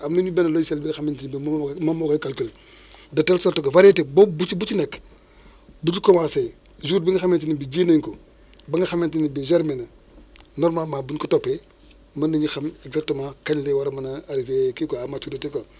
am nañu benn logicile bi nga xamante ne bi moom moo koy moom moo koy calculé de telle sorte que variété boo bu ci nekk bi ñu commencé jour bi nga xamante ne bi ji nañu ko ba nga xamante bi germé na normalement buñ ko toppee mën nañu xam exactement kañ la war a mën a arrivé kii quoi en maturité quoi